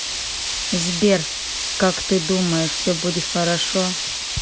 сбер как ты думаешь все будет хорошо